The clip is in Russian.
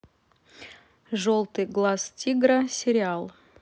желтый глаз тигра сериал